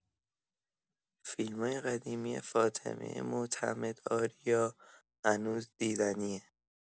فیلمای قدیمی فاطمه معتمدآریا هنوز دیدنیه.